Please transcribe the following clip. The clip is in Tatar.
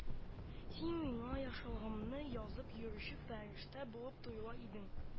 Син миңа яхшылыгымны язып йөрүче фәрештә булып тоела идең